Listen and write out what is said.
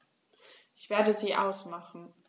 Ich werde sie ausmachen.